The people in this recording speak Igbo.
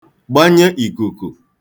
gbanye ìkùkù